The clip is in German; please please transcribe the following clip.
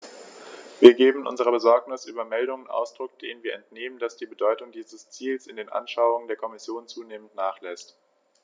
Wir geben unserer Besorgnis über Meldungen Ausdruck, denen wir entnehmen, dass die Bedeutung dieses Ziels in den Anschauungen der Kommission zunehmend nachlässt.